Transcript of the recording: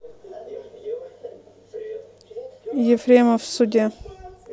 ефремов в суде